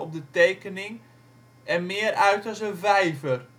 de tekening er meer uit als een vijver